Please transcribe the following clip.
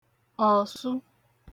ọ̀sụ